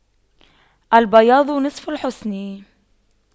البياض نصف الحسن